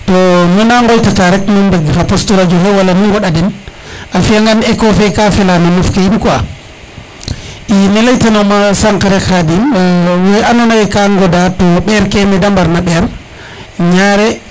to nu na ngoytata rek nu mbeg xa poste radio :far xe wala nu ngoɗa den a fiya ngan éco fe ka fela no nof ke in quoi i ne leyta numa sank rek Khadim we ando naye ka ngoda to ɓeer ke mede mbarna ɓeer ñare